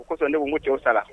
O kosɔn ne n ko jo sa